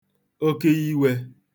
oke iwē